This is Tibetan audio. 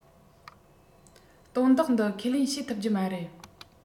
དོན དག འདི ཁས ལེན བྱེད ཐུབ ཀྱི མ རེད